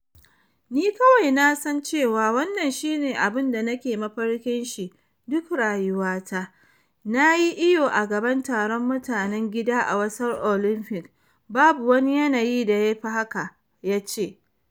“Ni kawai na san cewa wannan shi ne abun da nake mafarkin shi duk rayuwa ta - na yi iyo a gaban taron mutanen gida a Wasar Olympics, babu wani yanayi da yafi haka,” ya ce.